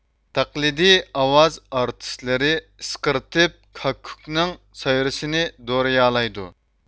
تەقلىدىي ئاۋاز ئارتىسلىرى ئىسقىرتىپ كاككۇكنىڭ سايرىشىنى دورىيالايدۇ